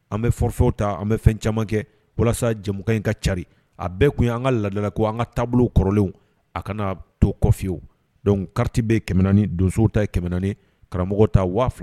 An bɛ forfait ta an bɛ fɛn caman kɛ walasa jɛmukan in ka cari,a bɛɛ kun ye an ka taabolo kɔrɔlen a kana kɔ fiyew donc, carte bɛ yen kɛmɛ naani, donsow ta kɛmɛ naani, karamɔgɔw ta waa